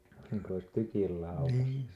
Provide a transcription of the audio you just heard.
niin kuin olisi tykillä laukaistu